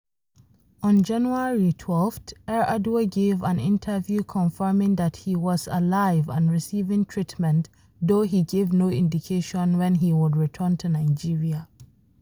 On January 12th, Yar'Adua gave an interview confirming that he was alive and receiving treatment, though he gave no indication when he would return to Nigeria.